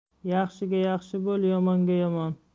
yaxshiga yaxshi bo'l yomonga yomon